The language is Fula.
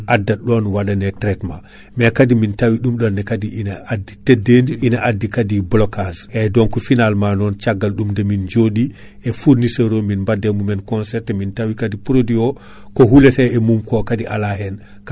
addat ɗon waɗane traitement mais kaadi min tawi ɗum ɗonne kaadi ina teddedi ina addi kaadi blocage e donc finalement non caggal ɗum nde min jooɗi e fournisseur o min badde mumen concerte min tawa kaadi produit o ko hulate e mum ko kaadi ala hen